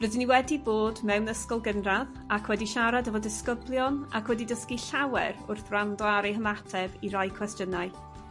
Rydyn ni wedi bod mewn ysgol gynradd ac wedi siarad efo disgyblion ac wedi dysgu llawer wrth wrando ar eu hymateb i rai cwestiynau.